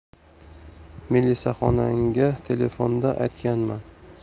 melisaxonangga telefonda aytganman